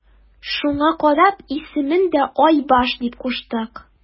Шуңа карап исемен дә Айбаш дип куштык.